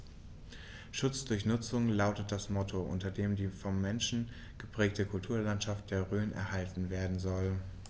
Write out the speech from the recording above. „Schutz durch Nutzung“ lautet das Motto, unter dem die vom Menschen geprägte Kulturlandschaft der Rhön erhalten werden soll.